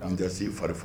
An bɛ taa se fari